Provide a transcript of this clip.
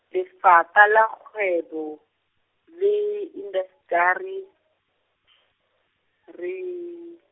lefapha la Kgwebo le Indasteri , Re-.